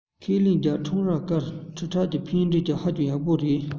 ཁས ལེན རྒྱབ ཁྲོམ རའི སྐུལ ཁྲིད བྱེད པའི ཕན འབྲས ནི ཧ ཅང ཡག པོ རེད